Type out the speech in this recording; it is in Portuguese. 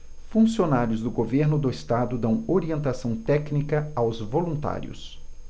funcionários do governo do estado dão orientação técnica aos voluntários